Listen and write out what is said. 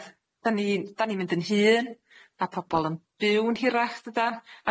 Da ni'n da ni'n mynd yn hŷn ma' pobol yn byw'n hirach dydan?